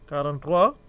43